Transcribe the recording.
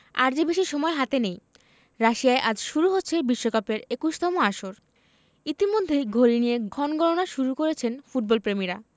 আর যে বেশি সময় হাতে নেই রাশিয়ায় আজ শুরু হচ্ছে বিশ্বকাপের ২১তম আসর ইতিমধ্যেই ঘড়ি নিয়ে ক্ষণগণনা শুরু করেছেন ফুটবলপ্রেমীরা